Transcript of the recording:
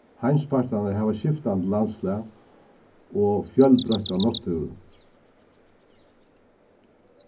heimspartarnir hava skiftandi landslag og fjølbroytta náttúru